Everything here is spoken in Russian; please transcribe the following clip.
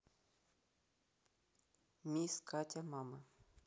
мисс катя мама